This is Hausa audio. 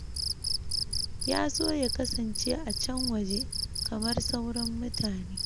Ya so ya kasance a can waje, kamar sauran mutane. "